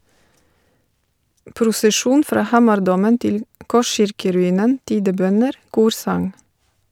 Prosesjon fra Hamardomen til korskirkeruinen, tidebønner, korsang.